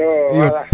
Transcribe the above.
iyo wala